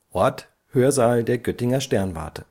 Ort: Hörsaal der Göttinger Sternwarte